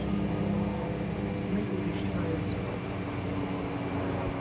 ֊ Մեկ ուրիշի հայացքով։